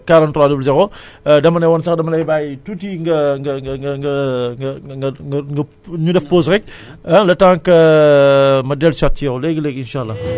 waa très bien loolu leer na 33 967 43 00 dama ne woon sax dama lay bàyyi tuuti nga nga nga nga nga nga nga pau